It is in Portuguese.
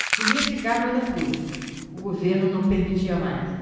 queria ficar mas não pude o governo não permitia mais